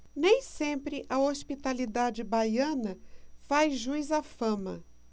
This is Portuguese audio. nem sempre a hospitalidade baiana faz jus à fama